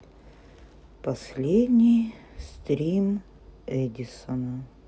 последний стрим эдисона